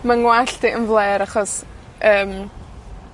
Ma'n ngwallt i yn flêr achos, yym,